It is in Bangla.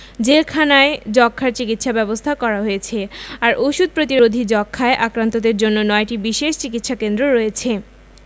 জেলখানায় যক্ষ্মার চিকিৎসা ব্যবস্থা করা হয়েছে আর ওষুধ প্রতিরোধী যক্ষ্মায় আক্রান্তদের জন্য ৯টি বিশেষ চিকিৎসাকেন্দ্র রয়েছে